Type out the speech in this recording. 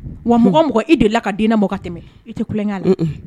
Wa mɔgɔ mɔgɔ i de la ka diinɛ mɔgɔ ka tɛmɛ i tɛ kukan la